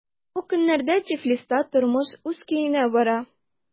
Бу көннәрдә Тифлиста тормыш үз көенә бара.